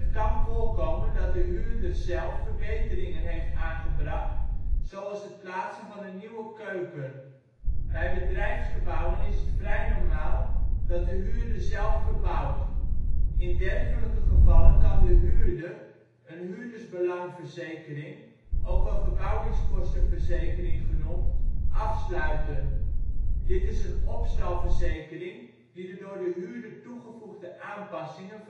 kan voorkomen dat de huurder zelf verbeteringen heeft aangebracht, zoals het plaatsen van een nieuwe keuken. Bij bedrijfsgebouwen is het vrij normaal dat de huurder zelf verbouwt. In dergelijke gevallen kan de huurder een huurdersbelangverzekering (ook wel verbouwingskostenverzekering genoemd) afsluiten. Dit is een opstalverzekering die de door de huurder toegevoegde aanpassingen